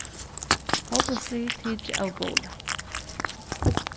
fótbóltslið tikið av bóli